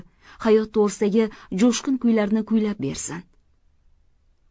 hayot to'g'risidagi jo'shqin kuylarini kuylab bersin